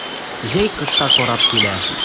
Җәй кышка карап килә.